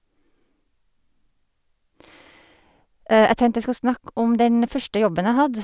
Jeg tenkte jeg skulle snakke om den første jobben jeg hadde.